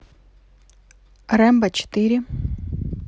рембо четыре